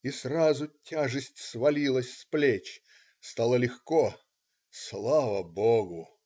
И сразу тяжесть свалилась с плеч. Стало легко. "Слава Богу".